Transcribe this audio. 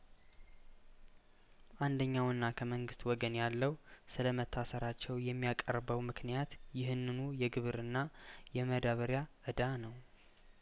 አንደኛውና ከመንግስት ወገን ያለው ስለመታሰራቸው የሚያቀርበው ምክንያት ይህንኑ የግብርን እና የማዳበሪያእዳ ነው